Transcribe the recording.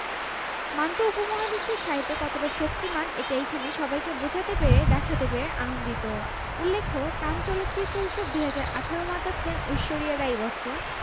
সম্প্রতি Marvel studio প্রযোজিত Avengers Infinity War Hollywood ছবিটি বক্স অফিসে ব্যাপক আয় করছে সিনেমা হল থেকে সোশ্যাল মিডিয়া আট থেকে আশি সকলের মুখেই এই ছবির কথা ঘুরে বেড়াচ্ছে